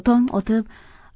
tong otib